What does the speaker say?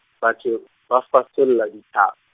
batho, ba fasolla la dithap-.